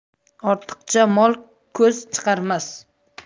ortiqcha mol ko'z chiqarmas